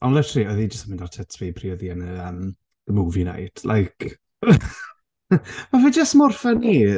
Ond literally oedd hi jyst yn mynd ar tits fi pryd oedd hi yn y yym movie night. Like ma' fe jyst mor funny.